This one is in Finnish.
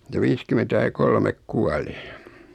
se viisikymmentä ja kolme kuoli